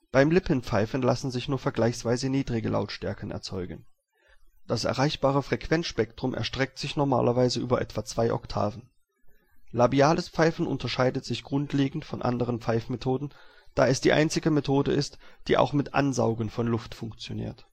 Beim Lippenpfeifen lassen sich nur vergleichsweise niedrige Lautstärken erzeugen. Das erreichbare Frequenzspektrum erstreckt sich normalerweise über etwa zwei Oktaven. Labiales Pfeifen unterscheidet sich grundlegend von anderen Pfeifmethoden, da es die einzige Methode ist, die auch mit Ansaugen von Luft funktioniert